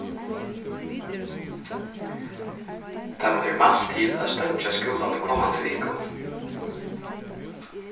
teimum er mælt til at steingja skúlan í komandi viku